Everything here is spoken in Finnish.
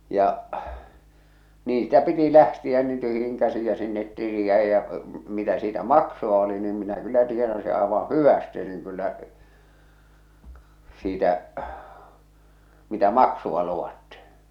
ja niin sitä piti lähteä niin tyhjin käsin ja sinne tili jäi ja mitä siitä maksua oli niin minä kyllä tienasin aivan hyvästi niin kyllä siitä mitä maksua luvattiin